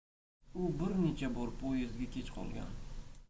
u bir necha bor poyezdga kech qolgan